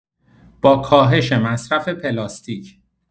با کاهش مصرف پلاستیک